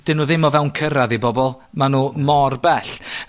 'dyn nw ddim o fewn cyrradd i bobol, ma' nw mor bell.